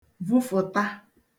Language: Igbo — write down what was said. vufụ̀ta